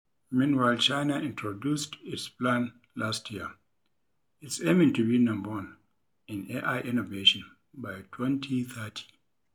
Meanwhile, China introduced its plan last year: it's aiming to be No.1 in AI innovation by 2030.